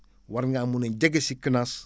war ngaa mun a jege si CNAAS